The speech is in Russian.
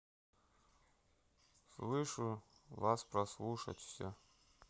слышу вас прослушать все